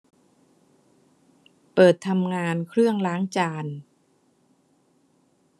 เปิดทำงานเครื่องล้างจาน